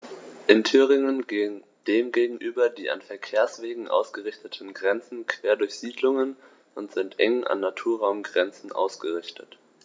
In Thüringen gehen dem gegenüber die an Verkehrswegen ausgerichteten Grenzen quer durch Siedlungen und sind eng an Naturraumgrenzen ausgerichtet.